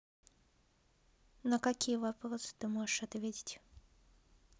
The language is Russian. на какие вопросы ты можешь ответить